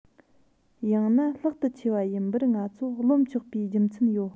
ཡང ན ལྷག ཏུ ཆེ བ ཡིན པར ང ཚོ རློམ ཆོག པའི རྒྱུ མཚན ཡོད